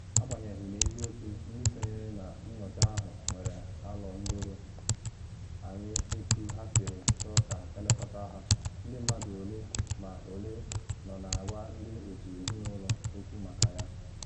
Agbanyeghị n’eziokwu ndị sonyere na nyocha ahụ nwere alo doro anya otu ha siri chọọ ka elekọta ha, ndị mmadụ ole ma ole nọ na agwa ndị otu ezinụlọ okwu maka ya.